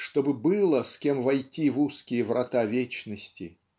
чтоб было с кем войти в узкие врата Вечности".